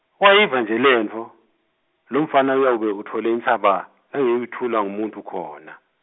wayiva nje lentfo, lomfana uyawube utfole intsaba langeyutfulwa ngumuntfu khona.